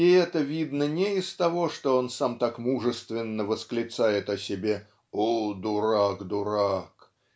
И это видно не из того, что он сам так мужественно восклицает о себе "О, дурак, дурак!"